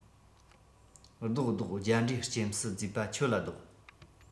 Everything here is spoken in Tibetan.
བཟློག བཟློག རྒྱ འདྲེ སྐྱེམས སུ བརྫུས པ ཁྱོད ལ བཟློག